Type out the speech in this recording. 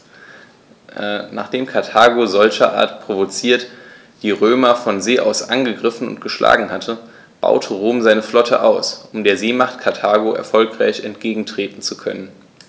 Nachdem Karthago, solcherart provoziert, die Römer von See aus angegriffen und geschlagen hatte, baute Rom seine Flotte aus, um der Seemacht Karthago erfolgreich entgegentreten zu können.